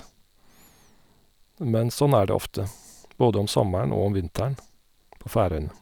Men sånn er det ofte både om sommeren og om vinteren på Færøyene.